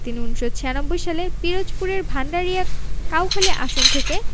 তিনি ১৯৯৬ সালে পিরোজপুরের ভাণ্ডারিয়া কাউখালী আসন থেকে